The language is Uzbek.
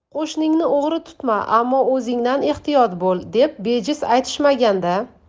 qo'shningni o'g'ri tutma ammo o'zingdan ehtiyot bo'l deb bejiz aytishmagan da